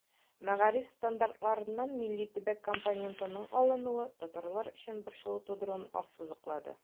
Мәгариф стандартларыннан милли-төбәк компонентының алынуы татарлар өчен борчылу тудыруын ассызыклады.